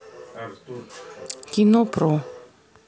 кино про